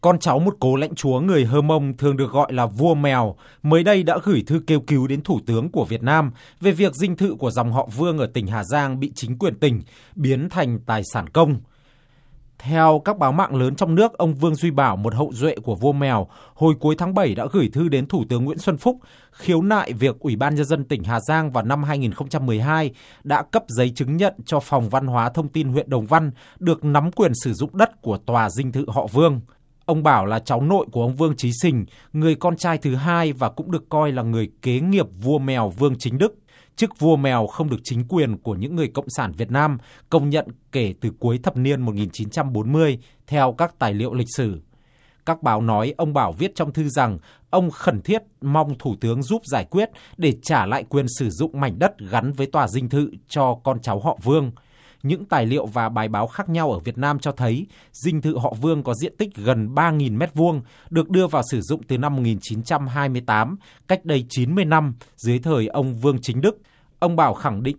con cháu một cố lãnh chúa người hơ mông thường được gọi là vua mèo mới đây đã gửi thư kêu cứu đến thủ tướng của việt nam về việc dinh thự của dòng họ vương ở tỉnh hà giang bị chính quyền tỉnh biến thành tài sản công theo các báo mạng lớn trong nước ông vương duy bảo một hậu duệ của vua mèo hồi cuối tháng bảy đã gửi thư đến thủ tướng nguyễn xuân phúc khiếu nại việc ủy ban nhân dân tỉnh hà giang vào năm hai nghìn không trăm mười hai đã cấp giấy chứng nhận cho phòng văn hóa thông tin huyện đồng văn được nắm quyền sử dụng đất của tòa dinh thự họ vương ông bảo là cháu nội của ông vương chí sình người con trai thứ hai và cũng được coi là người kế nghiệp vua mèo vương chính đức chức vua mèo không được chính quyền của những người cộng sản việt nam công nhận kể từ cuối thập niên một nghìn chín trăm bốn mươi theo các tài liệu lịch sử các báo nói ông bảo viết trong thư rằng ông khẩn thiết mong thủ tướng giúp giải quyết để trả lại quyền sử dụng mảnh đất gắn với tòa dinh thự cho con cháu họ vương những tài liệu và bài báo khác nhau ở việt nam cho thấy dinh thự họ vương có diện tích gần ba nghìn mét vuông được đưa vào sử dụng từ năm một nghìn chín trăm hai mươi tám cách đây chín mươi năm dưới thời ông vương chính đức ông bảo khẳng định